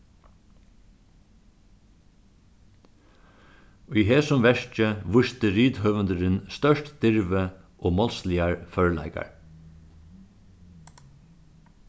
í hesum verki vísti rithøvundurin stórt dirvi og málsligar førleikar